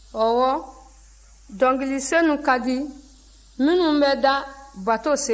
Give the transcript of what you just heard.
ɔwɔ dɔnkili senu ka di minnu bɛ da bato sen fɛ